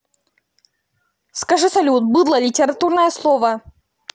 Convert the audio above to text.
скажи салют быдло литературное слово